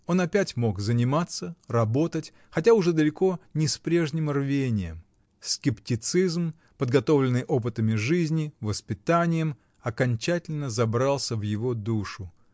Он опять мог заниматься, работать, хотя уже далеко не с прежним рвением: скептицизм, подготовленный опытами жизни, воспитанием, окончательно забрался в его душу.